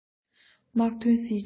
དམག དོན སྲིད ཇུས